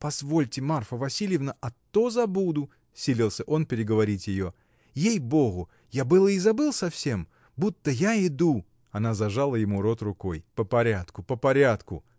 — Позвольте, Марфа Васильевна, а то забуду, — силился он переговорить ее, — ей-богу, я было и забыл совсем: будто я иду. Она зажала ему рот рукой. — По порядку, по порядку!